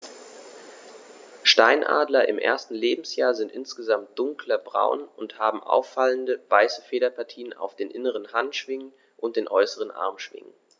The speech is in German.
Steinadler im ersten Lebensjahr sind insgesamt dunkler braun und haben auffallende, weiße Federpartien auf den inneren Handschwingen und den äußeren Armschwingen.